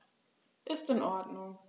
Ist in Ordnung.